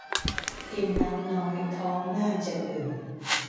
กินน้ำน้อยท้องน่าจะอืด